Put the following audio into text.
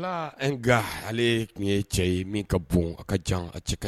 Voilà un gars . Ale kun ye cɛ ye min ka bon a ka jan a cɛ ka